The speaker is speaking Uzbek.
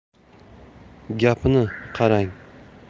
gapini qarang